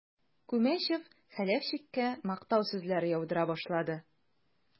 Күмәчев Хәләфчиккә мактау сүзләре яудыра башлады.